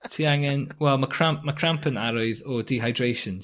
Ti angen wel ma' cramp ma' cramp yna roedd o dehydration.